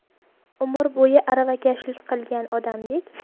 umr bo'yi aravakashlik qilgan odamdek